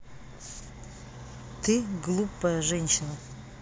ты глупая женщина